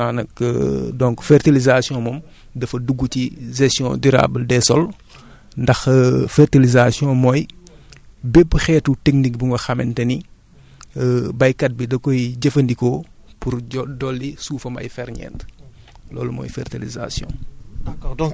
bon xam naa nag donc fertilisation moom dafa dugg ci gestion durable des sols ndax fertilisation mooy bépp xeetu technique bu nga xamante ni baykat bi da koy jëfandikoo pour jo dolli suufam ay ferñeent loolu mooy ferilisation